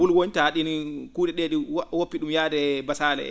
?ulowoñ taa ?iinin kuu?e ?ee ?i woppi ?um yaade he basaale hee